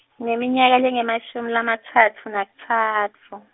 ngineminyaka lengamashumi lamatsatfu, nakutsatfu.